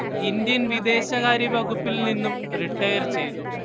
Indian വിദേശകാര്യ വകുപ്പിൽ നിന്നും റിട്ടയർ ചെയ്തു